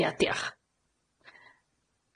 Ia diolch.